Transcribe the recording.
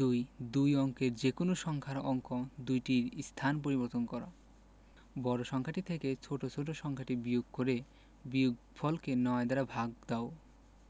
২ দুই অঙ্কের যেকোনো সংখ্যার অঙ্ক দুইটির স্থান পরিবর্তন কর বড় সংখ্যাটি থেকে ছোট ছোট সংখ্যাটি বিয়োগ করে বিয়োগফলকে ৯ দ্বারা ভাগ দাও